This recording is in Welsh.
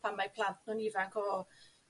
pan ma' 'u plant nw'n ifanc o